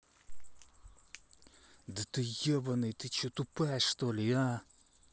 да ты ебаный ты че тупая что ли а